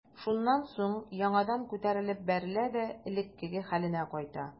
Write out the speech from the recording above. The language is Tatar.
Шуннан соң яңадан күтәрелеп бәрелә дә элеккеге хәленә кайта.